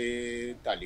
Ee tali